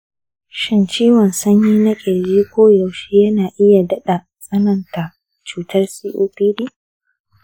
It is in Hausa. shin ciwon sanyi na ƙirji koyaushe yana iya daɗa tsananta cutar copd?